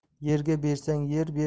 yerga bersang yer